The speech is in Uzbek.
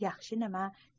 yaxshi nima